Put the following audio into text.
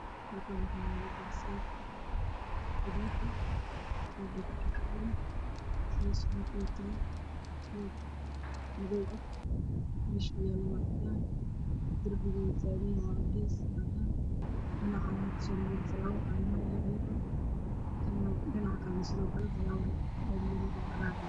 Meeshaan waxaa yaalo garbasaar gaduudan hoos waxuu kuwataa toob madow ah, meesha uu yaalana waa cadaan, darbiga waa cadaan iyo cadeys dhinac waxaa kabaxaayo falaawar cagaar ah oo caleemo yaryar leh dhinaca kale kale waxaa yaalo falaawar cagaar ah oo caleemo leh.